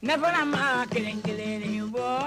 Ne bɔra ma kelen kelenlen bɔ